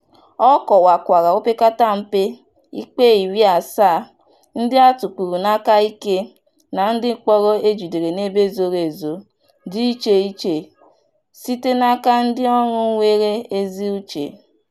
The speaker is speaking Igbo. Ọ kọwakwara opekata mpe ikpe 70 ndị a tụkpuru n'aka ike na ndị mkpọrọ ejidere n'ebe zoro ezo dị iche iche site n'aka ndị ọrụ nwere ezi uche.